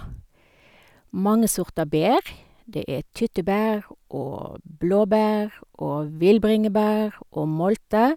Mange sorter bær, det er tyttebær og blåbær og villbringebær og molte.